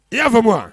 I ya famu wa?